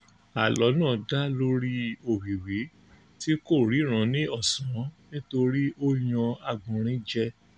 Àlọ́ náà dá lóríi òwìwí tí kò ríran ní ọ̀sán nítorí ó yan àgbọ̀nrín jẹ.